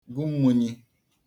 gụ mmūnyī